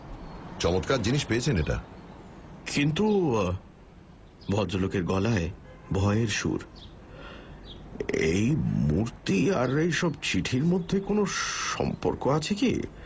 চমৎকার জিনিস পেয়েছেন এটা কিন্তু ভদ্রলোকের গলায় ভয়ের সুর এই মূর্তি আর এইসব চিঠির মধ্যে কোনও সম্পর্ক আছে কি